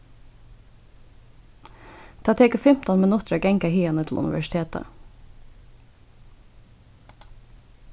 tað tekur fimtan minuttir at ganga hiðani til universitetið